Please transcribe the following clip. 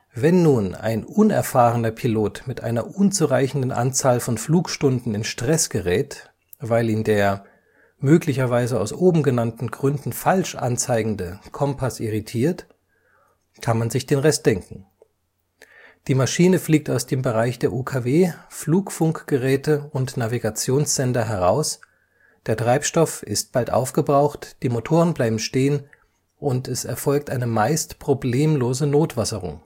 Wenn nun ein unerfahrener Pilot mit einer unzureichenden Anzahl von Flugstunden in Stress gerät, weil ihn der – möglicherweise aus oben genannten Gründen falsch anzeigende – Kompass irritiert, kann man sich den Rest denken: Die Maschine fliegt aus dem Bereich der UKW-Flugfunkgeräte und Navigationssender heraus, der Treibstoff ist bald aufgebraucht, die Motoren bleiben stehen, und es erfolgt eine meist problemlose Notwasserung